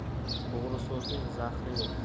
to'g'ri so'zning zahri yo'q